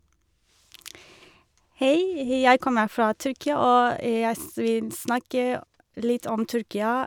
Hei, jeg kommer fra Tyrkia, og jeg s vil snakke litt om Tyrkia.